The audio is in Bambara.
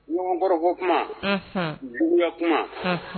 Ɲɔgɔn bɔrabɔ kuma buguya kuma